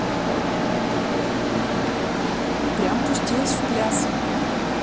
прям пустилась в пляс